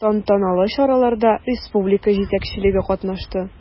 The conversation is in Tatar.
Тантаналы чараларда республика җитәкчелеге катнашты.